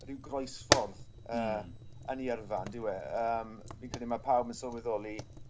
ryw groesffordd yy yn 'i yrfa on'd yw e? Yym fi'n credu ma' pawb yn sylweddoli